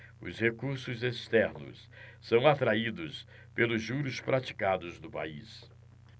os recursos externos são atraídos pelos juros praticados no país